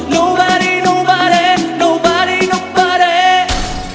nâu ba đi nâu ba đê nâu ba đi nâu ba đê